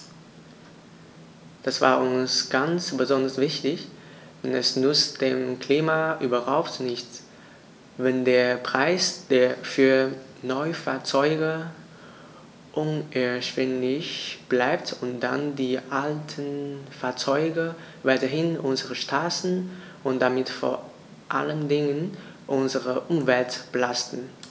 Das war uns ganz besonders wichtig, denn es nützt dem Klima überhaupt nichts, wenn der Preis für Neufahrzeuge unerschwinglich bleibt und dann die alten Fahrzeuge weiterhin unsere Straßen und damit vor allen Dingen unsere Umwelt belasten.